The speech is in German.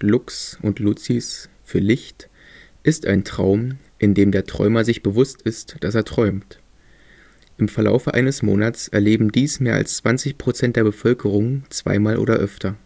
lux, lūcis „ Licht “) ist ein Traum, in dem der Träumer sich bewusst ist, dass er träumt. Im Verlaufe eines Monats erleben dies mehr als 20% der Bevölkerung zweimal oder öfter